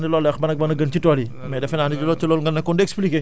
mais xam naa ne daal compost yooyu defe naa ne loolu la wax ban ak ban a gën ci tool yi